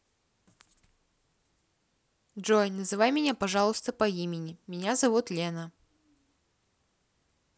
джой называй меня пожалуйста по имени меня зовут лена